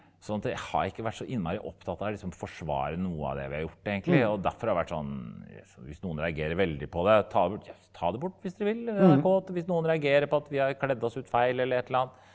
sånn at det har jeg ikke vært så innmari opptatt av å liksom forsvare noe av det vi har gjort egentlig og derfor har jeg vært sånn viss noen reagerer veldig på det ta det ta det bort hvis dere vil NRK hvis noen reagerer på at vi har kledd oss ut feil eller et eller annet.